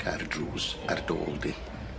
Ca'r drws ar dy ôl di.